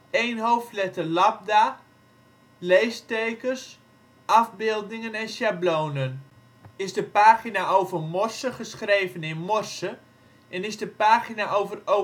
één hoofdletter labda, Λ, leestekens, afbeeldingen en sjablonen, is de pagina over morse geschreven in morse en is de pagina over overtolligheid